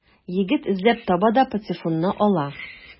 Егет эзләп таба да патефонны ала.